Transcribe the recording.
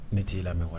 Ne t'i lami wa